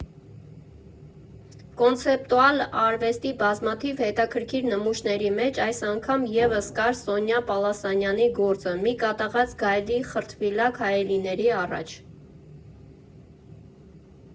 Կոնցեպտուալ արվեստի բազմաթիվ հետաքրքիր նմուշների մեջ այս անգամ ևս կար Սոնյա Պալասանյանի գործը՝ մի կատաղած գայլի խրտվիլակ հայելիների առաջ։